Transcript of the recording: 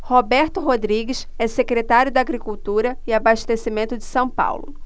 roberto rodrigues é secretário da agricultura e abastecimento de são paulo